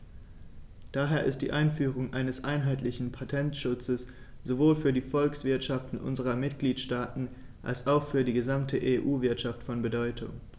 Daher ist die Einführung eines einheitlichen Patentschutzes sowohl für die Volkswirtschaften unserer Mitgliedstaaten als auch für die gesamte EU-Wirtschaft von Bedeutung.